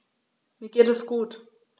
Mir geht es gut.